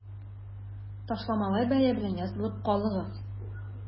Ташламалы бәя белән язылып калыгыз!